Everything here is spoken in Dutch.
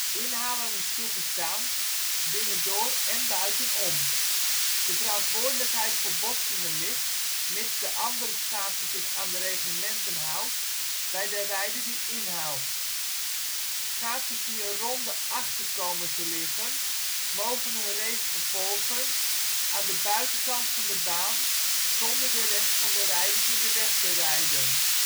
Inhalen is toegestaan, binnendoor én buitenom. De verantwoordelijkheid voor botsingen ligt, mits de andere schaatser zich aan de reglementen houdt, bij de rijder die inhaalt. Schaatsers die een ronde achter komen te liggen mogen hun race vervolgen aan de buitenkant van de baan, zonder de rest van de rijders in de weg te rijden